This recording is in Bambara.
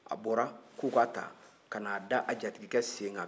a bɔra k'u k'a ta ka n'a da a jatigikɛ sen kan